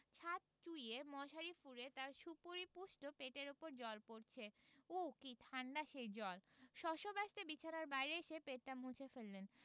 ছাদ চুঁইয়ে মশারি ফুঁড়ে তাঁর সুপরিপুষ্ট পেটের উপর জল পড়চে উঃ কি ঠাণ্ডা সে জল শশব্যস্তে বিছানার বাইরে এসে পেটটা মুছে ফেললেন